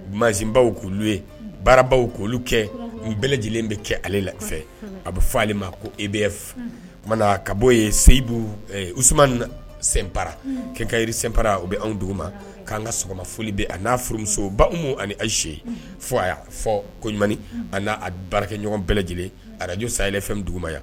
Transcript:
Mabaw k' ye baarabaw k' olu kɛ n bɛɛ lajɛlen bɛ kɛ ale la fɛ a bɛ fɔ ale ma ko e bɛ ka bɔo ye seyi us sen para kɛ kairiri sen para u bɛ anw dugu ma k'an ka sɔgɔmaoli bɛ a n'a furumusoba ani ni ayise fo a y'a fɔ ko ɲuman aa baarakɛɲɔgɔn bɛɛ lajɛlen araj saya fɛn dugu ma yan